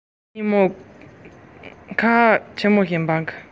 མེད པར གངས ཆེན པོ ཞིག བབས སོང